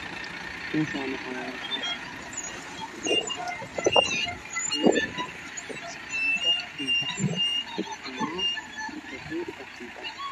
Meeshaa waxaa iga muuqda caagad ay ku qoran tahay aadan 19 oo askirin ku jirto